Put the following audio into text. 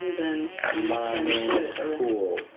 Yndyn... Maen nhw'n cŵl.